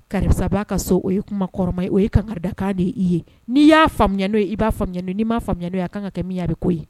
Karisasaba ka so o ye kuma kɔrɔ ma ye o ye kan kakan de ye' ye n'i y'a faamuyamu n'o ye i b'a faamuya n'i m ma faamuya n'o ye a kan ka kɛ minya bɛ ko ye